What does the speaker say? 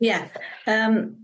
Ie yym.